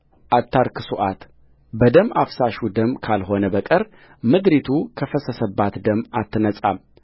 አታርክሱአት በደም አፍሳሹ ደም ካልሆነ በቀር ምድሪቱ ከፈሰሰባት ደም አትነጻም